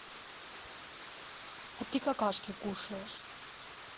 а ты какашки кушаешь